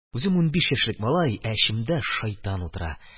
Үзем унбиш яшьлек малай, ә эчемдә шайтан утыра.